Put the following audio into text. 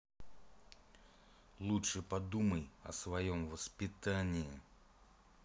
лучше подумай о своем воспитании